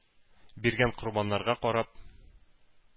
Биргән корбаннарга карап